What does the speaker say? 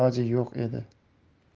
iloji yo'q edi